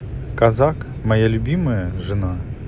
казак моя любимая жена